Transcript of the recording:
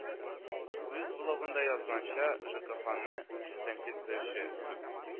Үз блогында язганча, жкхны тәнкыйтьләүче күп